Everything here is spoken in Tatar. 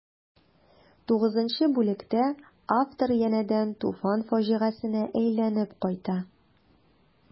Тугызынчы бүлектә автор янәдән Туфан фаҗигасенә әйләнеп кайта.